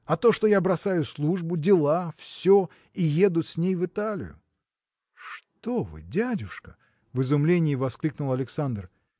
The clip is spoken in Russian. А то, что я бросаю службу, дела – все, и еду с ней в Италию. – Что вы, дядюшка! – в изумлении воскликнул Александр